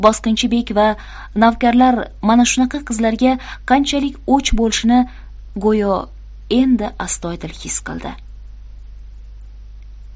bosqinchi bek va navkarlar mana shunaqa qizlarga qanchalik o'ch bo'lishini go'yo endi astoydil his qildi